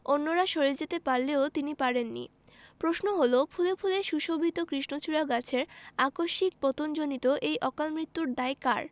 অন্যরা সরে যেতে পারলেও তিনি পারেননি প্রশ্ন হলো ফুলে ফুলে সুশোভিত কৃষ্ণচূড়া গাছের আকস্মিক পতনজনিত এই অকালমৃত্যুর দায় কার